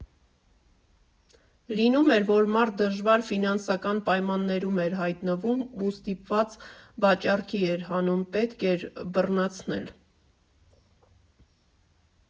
Լինում էր, որ մարդ դժվար ֆինանսական պայմաններում էր հայտնվում ու ստիպված վաճառքի էր հանում, պետք էր բռնացնել։